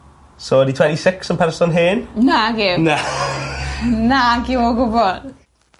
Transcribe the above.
So ydi tweny six yn person hen? Nagyw. Na. Nagyw o gwbwl.